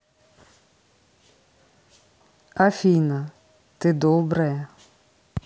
афина ты добрая